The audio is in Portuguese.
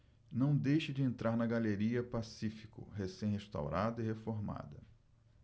não deixe de entrar na galeria pacífico recém restaurada e reformada